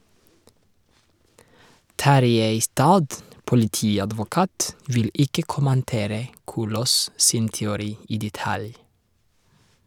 Tarjei Istad, politiadvokat, vil ikke kommentere Kolås sin teori i detalj.